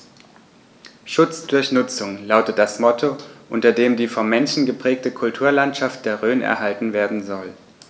„Schutz durch Nutzung“ lautet das Motto, unter dem die vom Menschen geprägte Kulturlandschaft der Rhön erhalten werden soll.